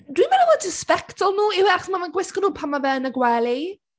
Dwi’n meddwl bod just sbectol nhw yw e achos mae nhw’n gwisgo nhw pan mae fe yn y gwely.